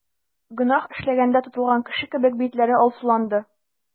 Гөнаһ эшләгәндә тотылган кеше кебек, битләре алсуланды.